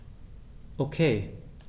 Okay.